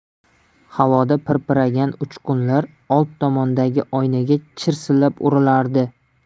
havoda parpiragan uchqunlar old tomondagi oynaga chirsillab urilardi